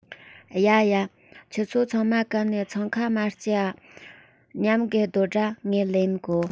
ཡ ཡ ཁྱེད ཆོ ཚང མ གན ནས འཚང ཁ མ སྐྱེ འ མཉམ གིས སྡོད དྲ ངས ལེན གོ